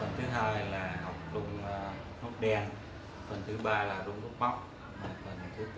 phần là rung note đen phần là rung note móc đen